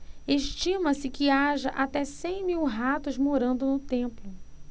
estima-se que haja até cem mil ratos morando no templo